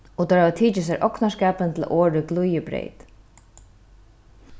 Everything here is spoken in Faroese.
og teir hava tikið sær ognarskapin til orðið glíðibreyt